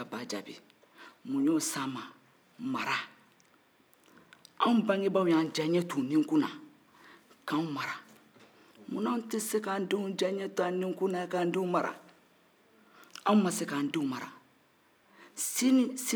mara anw bangebaa y'an diyanye t'u nikun na k'anw mara munna anw tɛ se k'an denw diyanye t'an nikun na k'an denw mara anw ma se k'an denw mara sini sinikɛnɛ ma